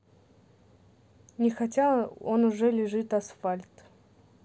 нехотя он уже лежит асфальт